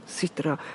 sidro